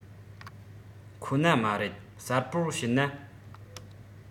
ཁོ ན མ རེད གསལ པོར བཤད ན